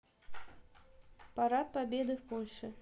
парад победы в польше